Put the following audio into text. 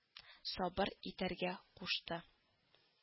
Сабыр итәргә кушты